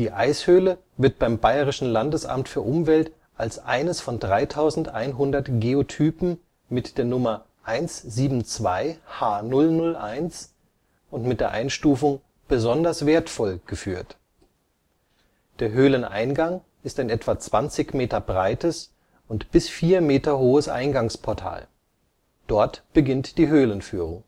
Eishöhle wird beim Bayerischen Landesamt für Umwelt als eines von 3100 Geotopen mit der Nummer 172H001 und mit der Einstufung besonders wertvoll geführt. Der Höhleneingang ist ein etwa 20 Meter breites und bis 4 Meter hohes Eingangsportal. Dort beginnt die Höhlenführung